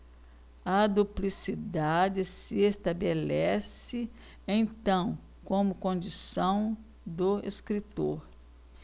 a duplicidade se estabelece então como condição do escritor